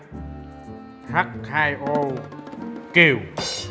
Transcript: hắt hai ô kiều